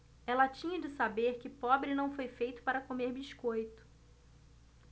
ela tinha de saber que pobre não foi feito para comer biscoito